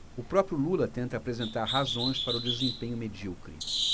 o próprio lula tenta apresentar razões para o desempenho medíocre